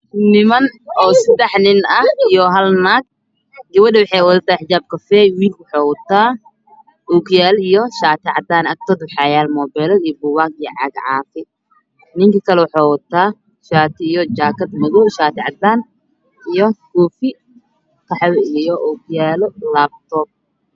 Niman oo seddex nin ah iyo hal naag. Gabadhu waxay wadataa xijaab kafay, wiilku waxuu wataa ookiyaalo iyo shaati cadaan ah. Meesha waxaa yaalo muubeelo iyo caago caafi ah. Ninka kale waxuu wataa jaakad madow shaati cadaan ah iyo koofi qaxwi ah iyo ookiyaalo, laabtoob.